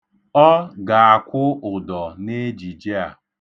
O ga-akwu udo n'ejije a.